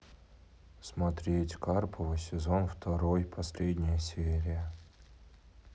смотреть карпова сезон второй последняя серия